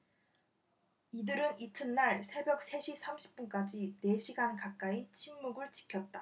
이들은 이튿날 새벽 세 시 삼십 분까지 네 시간 가까이 침묵을 지켰다